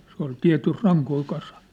se oli tietysti rankoja kasannut